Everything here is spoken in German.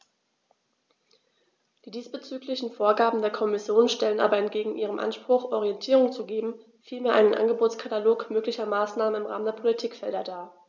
Die diesbezüglichen Vorgaben der Kommission stellen aber entgegen ihrem Anspruch, Orientierung zu geben, vielmehr einen Angebotskatalog möglicher Maßnahmen im Rahmen der Politikfelder dar.